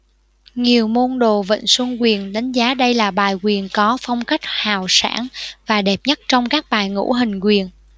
nhiều môn đồ vịnh xuân quyền đánh giá đây là bài quyền có phong cách hào sảng và đẹp nhất trong các bài ngũ hình quyền